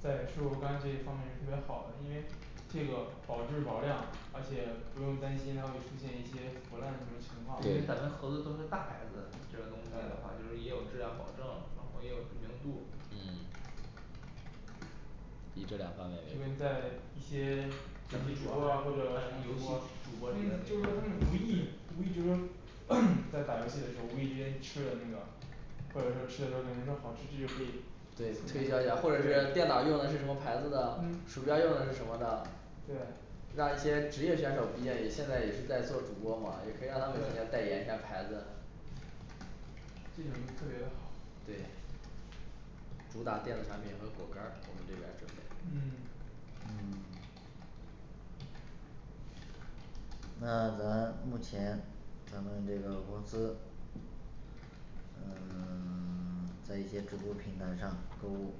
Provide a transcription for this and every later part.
在水果干这方面是特别好的因为这个保质保量而且不用担心它会出现一些腐烂什么情况因为咱们合作都是大牌子这个东西的话就是也有质量保证然后也有知名度嗯以这两条为就例跟在一些 什么直播啊或者直播嗯就是说他们无意无意就是说 在打游戏无意之间吃了那个或者说吃了就等于说好吃这就可以嗯对对推销一下或者是电脑儿用的是什么牌子的鼠标用的是什么的让一些职业选手毕竟也现在也是在做主播嘛也可以让他们进行代对言一下牌子这种就特别的好主打电子产品和果干儿我们这边儿准备嗯嗯那咱目前咱们这个公司嗯 在一些直播平台上购物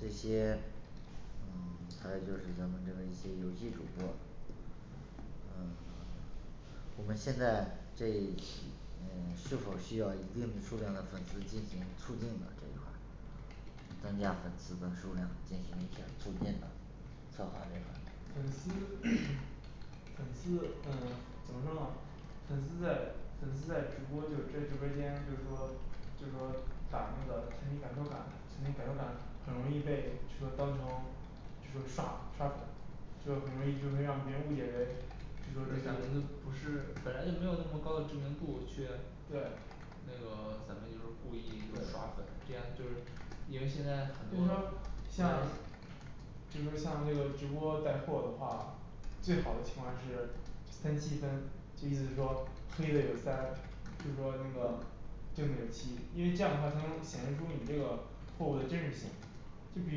这些嗯 还有就是咱们这个一些游戏主播嗯 我们现在这嗯 是否需要有一定数量的粉丝进行促进呢这一块儿增加粉丝的数量进行一个促进呢策划这一块儿粉丝 粉丝嗯 怎么说呢粉丝在粉丝在直播就是在直播间就是说就是说把那个产品感受感产品感受感很容易被说当成就是杀杀粉就很容易就会让别人误解为这说这咱们这个不是本来就没有那么高的知名度去对那个 咱们就是故意不刷对粉这样就是因为现在很所以多说像就是说像这个直播带货的话最好的情况是三七分就意思是说黑的有三就是说那个正的有七因为这样的话才能显示出你这个货物的真实性就比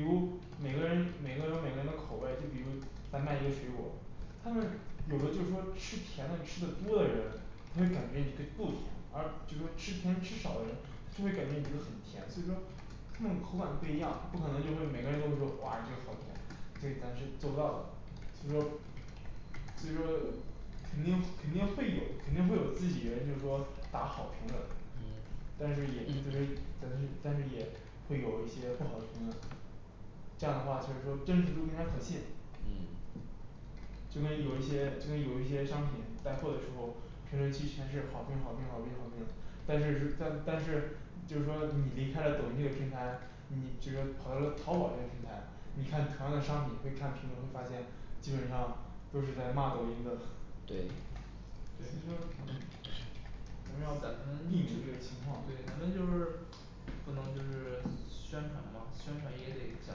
如每个人每个人有每个人的口味就比如咱卖一个水果他们有的就是说吃甜的吃的多的人他会感觉一个不甜而就是说吃甜吃少的人就会感觉你这个很甜所以说他们口感不一样不可能就会每个人都会哇这个好甜这咱是做不到的就是说所以说肯定肯定会有肯定会有自己人就是说打好评论&嗯&但是也就是就是但是也会有一些不好的评论这样的话就是说真实度更加可信嗯就跟有一些这跟有一些商品带货的时候评论区全是好评好评好评好评但是就是但但是就是说你离开了抖音这个平台你这个跑到这淘宝这个平台你看同样的商品你会看评论会发现基本上都是在骂抖音的对所以说对嗯不是要咱们 避免这个情况对咱对们就是不能就是宣传嘛宣传也得讲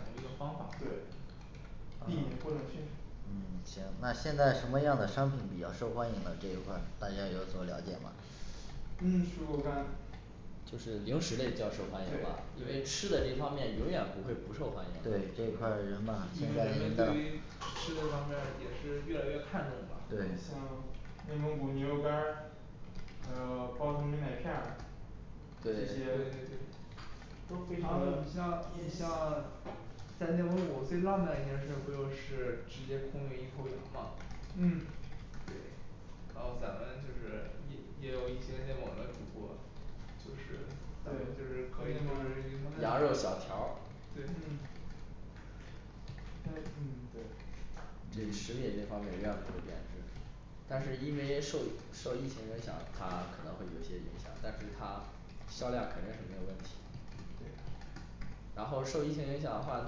究一个方法避免不了去啊嗯行那现在什么样的商品比较受欢迎呢这一块儿大家有所了解吗嗯是我看就是零食类比较受欢迎吧因为对对吃的这方面永远不会不受欢迎对这块儿什吗因为咱们对于吃的方面也是越来越看重了像内蒙古牛肉干儿还有包头牛奶片儿这对对些对对都非你常的像你像在内蒙古最浪漫的一件事不就是直接空运一头羊吗嗯对然后咱们就是也也有一些内蒙的主播就是对就是可以就是与他羊们肉小条儿嗯对嗯对这些食品这方面永远不会变质但是因为受受疫情影响他可能会有一些影响但是他销量肯定是没有问题对然后受疫情影响的话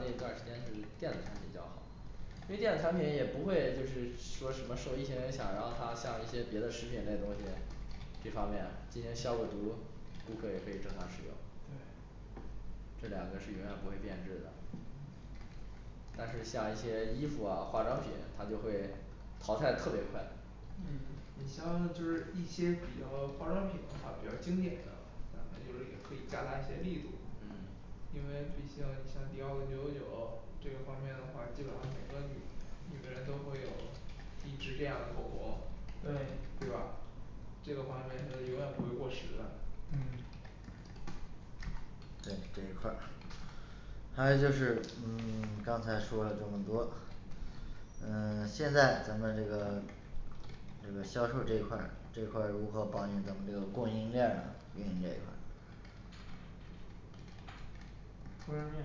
那段儿时间是电子产品比较好电子产品产品也不会就是说什么受疫情影响然后他像一些别的食品类的东西这方面今天消过毒顾客也可以正常使用对这两个是永远不会变质的嗯但是像一些衣服啊化妆品它就会淘汰特别快嗯你像就是一些比较化妆品的话比较经典的咱们就是也可以加大一些力度嗯因为比较像迪奥九九九这个方面的话基本上每个女女人都会有一支这样的口红对对吧这个方面是永远不会过时的嗯对这一块儿还有就是嗯 刚才说了那么多嗯 现在咱们这个这个销售这一块儿这块儿如何保证咱们这个供应链儿呢运营这一块儿供应链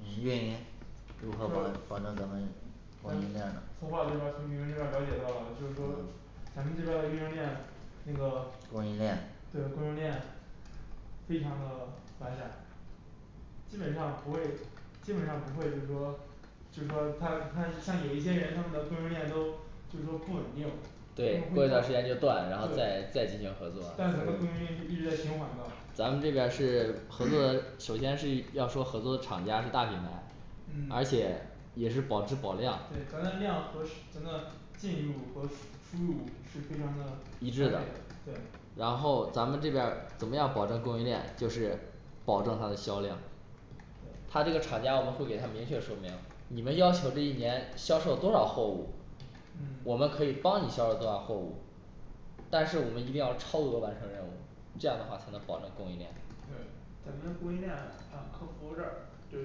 嗯运营如何保就保证咱们供应链呢咱通话这边儿这边儿了解到了就是说咱们这边儿的运营链那个对供应链非常的完善基本上不会基本上不会就是说就说看看看有一些人他们的供应链都就说不稳定对对过一段时间就断然后再再进行合作但咱们供应链一直在循环的咱们这边儿是合作首先是要说合作厂家是大品牌嗯对咱的而且也是保质保量量和是 咱的进入和是 出入是非常的一相致对的的对然后咱们这边儿怎么样保证供应链就是保证它的销量对他这个厂家我们会给他明确说明你们要求这一年销售多少货物我嗯们可以帮你销售多少货物但是我们一定要超额完成任务这样的话才能保证供应链对咱们的供应链还有客服这儿就有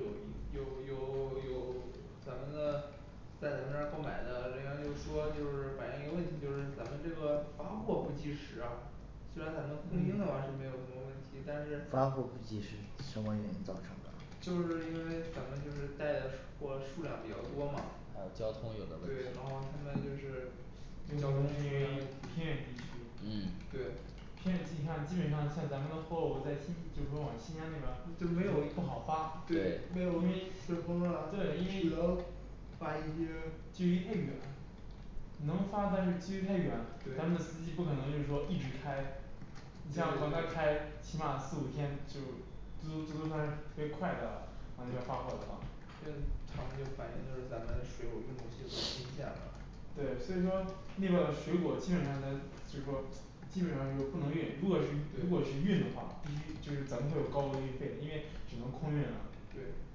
一有有有有咱们的在咱们这儿购买的人员就说就是反映一个问题就是咱们这个发货不及时啊虽然咱们供应链的话是嗯 没有什么问题但是发货不及时什么原因造成的就是因为咱们就是带的货数量比较多嘛还有交通有的问对然后题现在就是交通是因为偏远地嗯区对偏你看基本上你像咱们的货物在新就是说往新疆那就没有边不好发对因对为没对因为有你顺丰啊只能发一些距离太远能发但是距离太远咱们对司机不可能就是说一直开你像往外对开起码四五天就这都这都算是特别快的了咱们要发货的话这他们就反应就是咱们使用的系统禁限了对所以说那边的水果基本上咱就是说基本上就是不能运如果是如果是对运对的话必须就是咱们会有高额的运费因为只能空运了对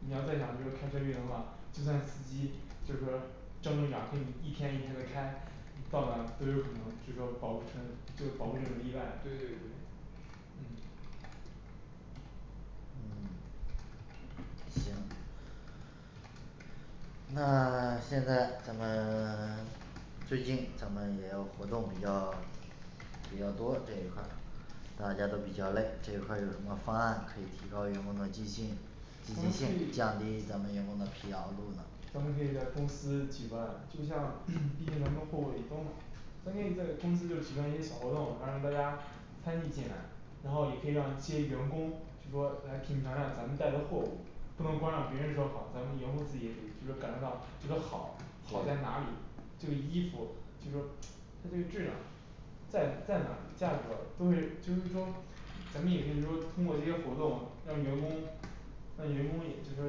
你要再想就是开车运的话就算司机就是说睁着眼给你一天一天的开你到那都有可能就是保不成就保不成有意外对对对嗯嗯 行那 现在咱们 最近咱们也有活动比较比较多这一块儿大家都比较累这一块儿有什么方案可以提高员工的积极咱们可以性降低咱们员工的疲劳度呢咱们可以在公司举办就像 毕竟咱们货物员工嘛咱可以在公司就举办一些小活动然后让大家参与进来然后也可以让这些员工就是说来品尝一下咱们带的货物不能光让别人说好咱们员工自己也得就是感觉到这个好好在对哪里这个衣服就是说它这个质量在在哪价格都会就是说咱们也可以说通过这些活动让员工让员工也就是说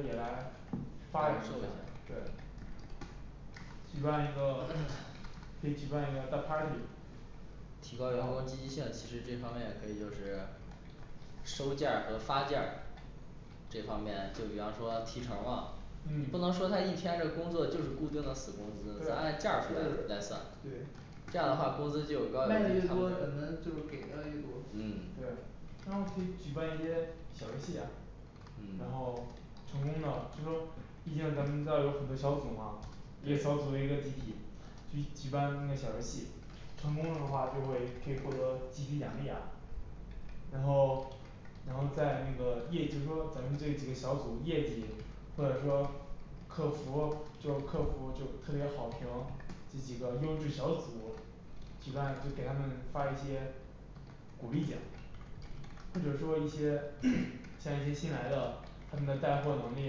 也来发做扬这一个下对举办一个可以举办一个大party 提高员工积极性其实这方面可以就是收件儿和发件儿这方面就比方说提成儿嘛不能嗯说他一天的工作就是固定的死工对就是对资咱按件儿来算对是卖这样的话工资就有个的越嗯多可能就是给的越多然后可以举办一些小游戏啊然后嗯 成功的就是说毕竟咱们要有很多小组嘛你也招募了对一个集体去举办一个小游戏成功的话就会可以获得集体奖励啊然后然后在那个业就说咱们这几个小组业绩或者说客服就是客服就特别好评这几个优质小组举办就给他们发一些鼓励奖或者说一些 像一些新来的他们的带货能力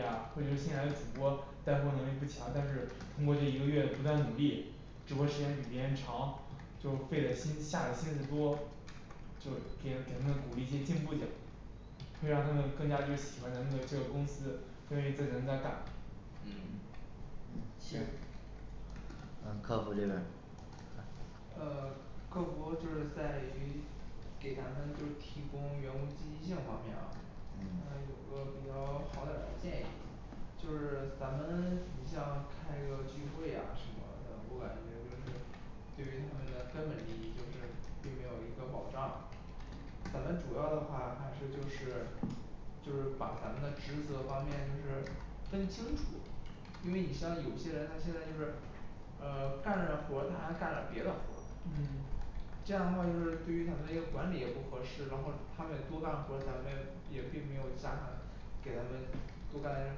啊或者是新来的主播带货能力不强但是通过这一个月不断努力直播时间比别人长就费的心下的心思多，就给给他们鼓励一些进步奖会让他们更加就是喜欢咱们的这个公司愿意在咱们这儿干嗯嗯嗯嗯对行呃客服这边儿嗯 客服就是在于给咱们就是提供员工积极性方面啊嗯有嗯个比较好点儿的建议就是咱们你像开个聚会啊什么的我感觉就是对于他们的根本利益就是并没有一个保障咱们主要的话还是就是就是把咱们的职责方面就是分清楚因为你像有些人他现在就是嗯 干着活他还干了别的活嗯这样的话就是对于咱们的一个管理也不合适然后他们也多干活咱们也也并没有加上给他们多干的这些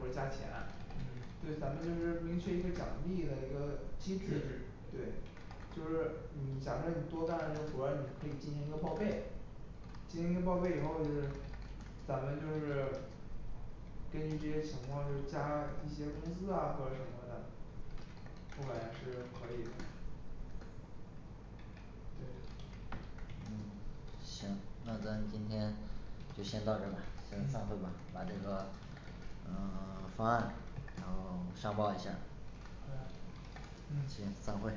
活儿加钱嗯对咱们就是明确一个奖励的一个机机制制对就是嗯假设你多干了这活儿你可以进行一个报备进行一个报备以后就是咱们就是根据这些情况就是加一些工资啊或者什么的我感觉是可以的对嗯行那咱们今天就先到这吧那就散会吧嗯把这个嗯 方案然后 上报一下好的行嗯散会